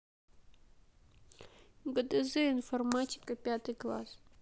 гдз информатика пятый класс